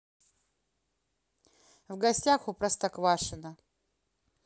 в гостях у простоквашино